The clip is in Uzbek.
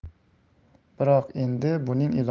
biroq endi buning iloji